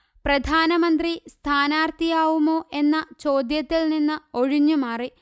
പ്രധാനമന്ത്രി സ്ഥാനാർഥിയാവുമോ എന്ന ചോദ്യത്തില്നിന്ന് ഒഴിഞ്ഞുമാറി